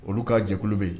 Olu ka jɛkulu bɛ